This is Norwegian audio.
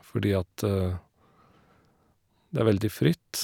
Fordi at det er veldig fritt.